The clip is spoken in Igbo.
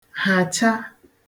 hàcha